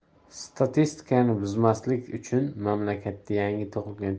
statistikani buzmaslik uchun mamlakatda yangi tug'ilgan